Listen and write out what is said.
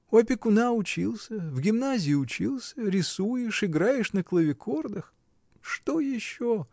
У опекуна учился, в гимназии учился: рисуешь, играешь на клавикордах — что еще?